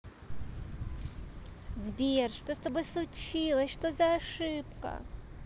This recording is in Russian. сбер что с тобой случилось что за ошибка